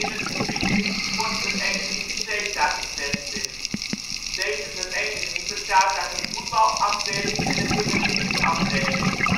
het gebied is de sportvereniging SETA gevestigd: Deze vereniging bestaat uit een voetbalafdeling en een gymnastiekafdeling